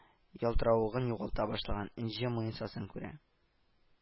Ялтыравыгын югалта башлаган энҗе муенсасын күрә